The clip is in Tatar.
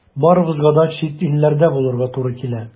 Барыбызга да чит илләрдә булырга туры килә.